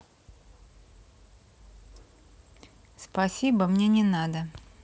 спасибо мне не надо